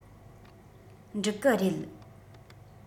འགྲིག གི རེད